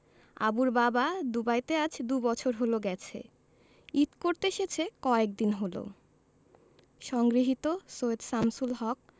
আবুর বাবা দুবাইতে আজ দুবছর হলো গেছে ঈদ করতে এসেছে কয়েকদিন হলো সংগৃহীত সৈয়দ শামসুল হক